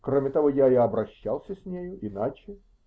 кроме того, я и обращался с нею иначе.